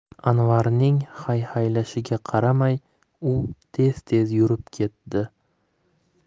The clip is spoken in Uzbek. anvarning hayhaylashiga qaramay u tez tez yurib ketdi